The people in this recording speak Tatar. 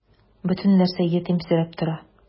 Бөтен нәрсә ятимсерәп тора.